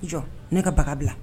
Jɔ ne ka baga bila